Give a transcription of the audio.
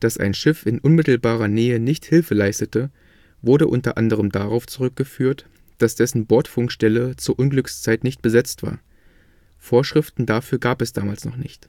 Dass ein Schiff in unmittelbarer Nähe nicht Hilfe leistete, wurde unter anderem darauf zurückgeführt, dass dessen Bordfunkstelle zur Unglückszeit nicht besetzt war – Vorschriften dafür gab es damals noch nicht